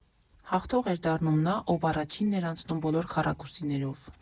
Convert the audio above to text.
Հաղթող էր դառնում նա, ով առաջինն էր անցնում բոլոր քառակուսիներով։